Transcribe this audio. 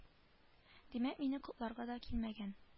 Димәк мине котларга дә килмәгән